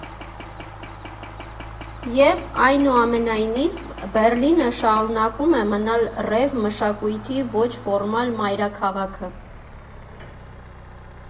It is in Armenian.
Եվ, այնուամենայնիվ, Բեռլինը շարունակում է մնալ ռեյվ մշակույթի ոչ֊ֆորմալ մայրաքաղաքը։